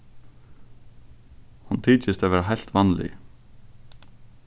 hon tykist at vera heilt vanlig